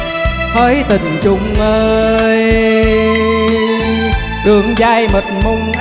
hỡi tình chung ơi đường dài mịt mùng